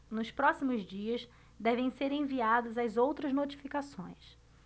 nos próximos dias devem ser enviadas as outras notificações